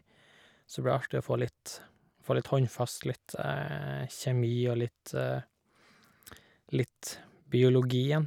Så det blir artig å få litt få litt håndfast, litt kjemi og litt litt biologi igjen.